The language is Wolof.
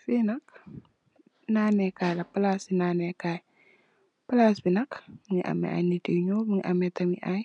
Fi nak naane kai la palasi naane kai palas bi nak mongi ame ay nitt yu nuul mongi ame tamit ay